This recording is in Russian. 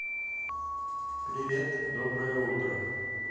привет доброе утро